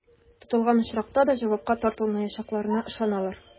Тотылган очракта да җавапка тартылмаячакларына ышаналар.